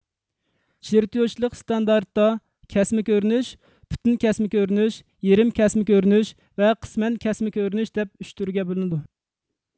چىرتيوژچىلىق ستاندارتدا كەسمە كۆرۈنۈش پۈتۈك كەسمە كۆرۈنۈش يېرىم كەسمە كۆرۈنۈش ۋە قىسمەن كەسمە كۆرۈنۈش دەپ ئۈچ تۈرگە بۆلۈنىدۇ